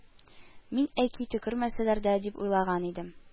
Мин, әки, төкермәсләр дә дип уйлаган идем